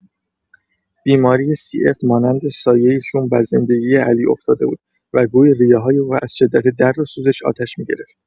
بیماری سی‌اف مانند سایه‌ای شوم بر زندگی علی افتاده بود و گویی ریه‌های او از شدت درد و سوزش آتش می‌گرفت.